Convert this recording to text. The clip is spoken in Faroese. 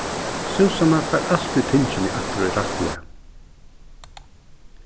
súsanna fær altíð tingini aftur í rætt lag